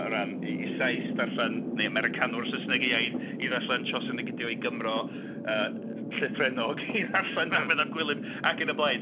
O ran i i Saes ddarllen neu Americanwr Saesneg ei iaith i ddarllen Chaucer nag ydi o i Gymro yy llythrennog i ddarllen Dafydd ap Gwilym ac yn y blaen.